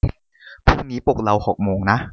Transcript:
พรุ่งนี้ปลุกเราหกโมงนะ